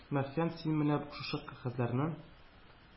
Мәхьян, син менә шушы кәгазьләрне